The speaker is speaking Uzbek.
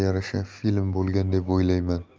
yarasha film bo'lgan deb o'ylayman